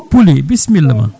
Guppuli bisimilla ma